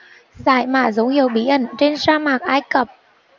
giải mã dấu hiệu bí ẩn trên sa mạc ai cập